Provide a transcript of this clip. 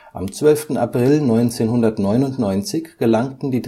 Am 12. April 1999 gelangten die